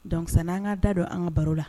Donc sani an k'an da do an ka baro la